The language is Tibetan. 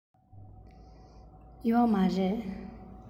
ཡོད མ རེད